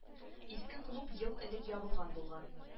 Иске клуб ел элек ябылган булган